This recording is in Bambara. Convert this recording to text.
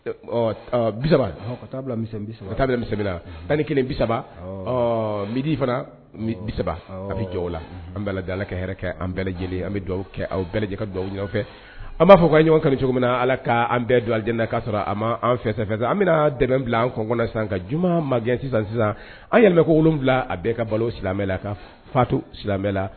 Bisa ka tan ni kelen bisa midi fana bisa ka bɛ jɔ la an bɛɛ lajɛlenɛrɛ kɛ an bɛɛ lajɛlen an bɛ aw bɛɛ lajɛlen ka dugawu fɛ an b'a fɔ ka ɲɔgɔn kan cogo min na ala k'an bɛɛ don lajɛlen nna'a sɔrɔ a ma an fɛ an bɛna dɛmɛ bila an kɔn kɔnɔna sisan ka juma ma gɛn sisan sisan an yɛrɛ ko wolon wolonwula a bɛɛ ka balo silamɛ la ka fatuto silamɛ la